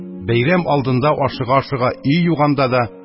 Бәйрәм алдында ашыга-ашыга өй юганда да,